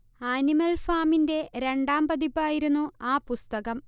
animal ഫാമിന്റെ രണ്ടാം പതിപ്പായിരുന്നു ആ പുസ്തകം